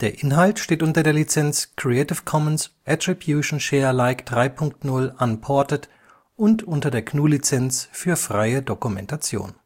Inhalt steht unter der Lizenz Creative Commons Attribution Share Alike 3 Punkt 0 Unported und unter der GNU Lizenz für freie Dokumentation